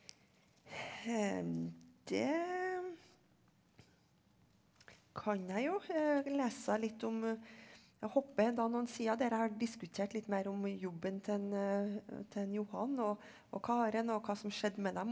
det kan jeg jo lese litt om jeg hopper da noen sider der jeg har diskutert litt mer om jobben til han til han Johan og og Karen og hva som skjedde med dem.